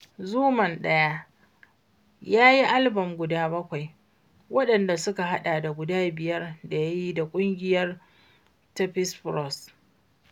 Xuman I ya yi albon guda 7, wanɗanda suka haɗa da guda 5 da ya yi da ƙungiya ta Pees Froiss.